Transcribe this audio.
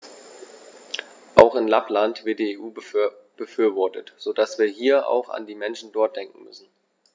Auch in Lappland wird die EU befürwortet, so dass wir hier auch an die Menschen dort denken müssen.